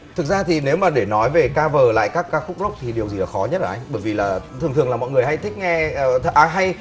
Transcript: thực ra thì nếu mà để nói về ca vờ lại các ca khúc rốc thì điều gì là khó nhất hả anh bởi vì là thường thường là mọi người hay thích nghe à hay